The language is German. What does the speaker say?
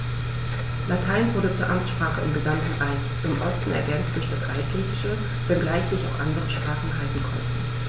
Latein wurde zur Amtssprache im gesamten Reich (im Osten ergänzt durch das Altgriechische), wenngleich sich auch andere Sprachen halten konnten.